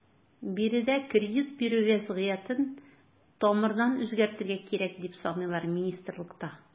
Биредә кредит бирү вәзгыятен тамырдан үзгәртергә кирәк, дип саныйлар министрлыкта.